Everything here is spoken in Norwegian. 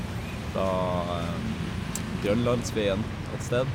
Fra Grønlandsvegen et sted.